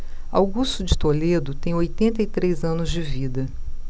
augusto de toledo tem oitenta e três anos de vida